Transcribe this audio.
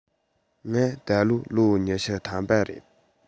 ང ད ལོ ལོ ཉི ཤུ ཐམ པ རེད